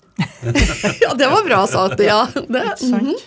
ja det var bra sagt ja det ja.